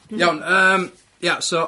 Iawn yym ia so...